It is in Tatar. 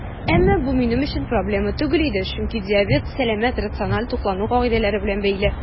Әмма бу минем өчен проблема түгел иде, чөнки диабет сәламәт, рациональ туклану кагыйдәләре белән бәйле.